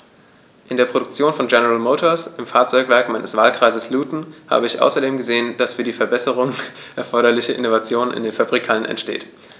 In der Produktion von General Motors, im Fahrzeugwerk meines Wahlkreises Luton, habe ich außerdem gesehen, dass die für Verbesserungen erforderliche Innovation in den Fabrikhallen entsteht.